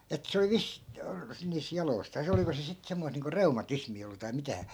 että se oli - niissä jaloistaan oliko se sitten semmoista niin kuin reumatismia ollut tai mitä